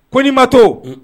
Ko' ma to